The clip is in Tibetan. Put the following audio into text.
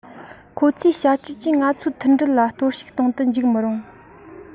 ཁོ ཚོའི བྱ སྤྱོད ཀྱིས ང ཚོའི མཐུན སྒྲིལ ལ གཏོར བཤིག གཏོང དུ འཇུག མི རུང